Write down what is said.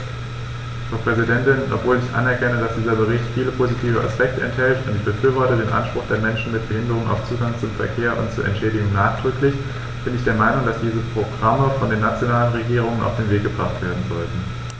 Frau Präsidentin, obwohl ich anerkenne, dass dieser Bericht viele positive Aspekte enthält - und ich befürworte den Anspruch der Menschen mit Behinderung auf Zugang zum Verkehr und zu Entschädigung nachdrücklich -, bin ich der Meinung, dass diese Programme von den nationalen Regierungen auf den Weg gebracht werden sollten.